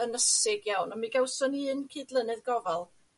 ynnysig iawn a mi gawson ni un cydlynydd gofal